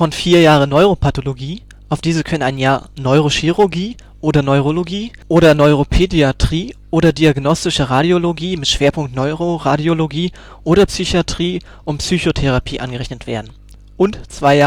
4 Jahre Neuropathologie auf diese können ein Jahr Neurochirurgie oder Neurologie oder Neuropädiatrie oder Diagnostische Radiologie mit Schwerpunkt Neuroradiologie oder Psychiatrie und Psychotherapie angerechnet werden; 2